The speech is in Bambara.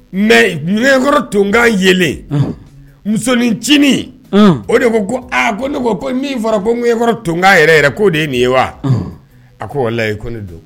Mɛkɔrɔ t yelen musonincinin o de ko ko aa ko ne ko min fɔra ko nkɔrɔ tkan yɛrɛ yɛrɛ k'o de ye nin ye wa a ko walayi ko ne do